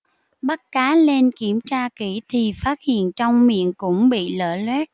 bắt cá lên kiểm tra kỹ thì phát hiện trong miệng cũng bị lở loét